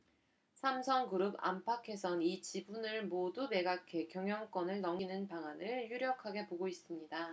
삼성그룹 안팎에선 이 지분을 모두 매각해 경영권을 넘기는 방안이 유력하게 보고 있습니다